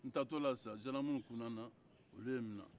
n taatɔla sisan zandarmu kura ne la u ye ne minɛ